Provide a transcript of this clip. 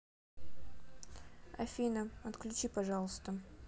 афина отключи пожалуйста